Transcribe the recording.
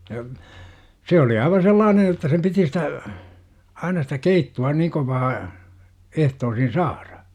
ja se oli aivan sellainen jotta sen piti sitä aina sitä keittoa niin kovaa ehtoisin saada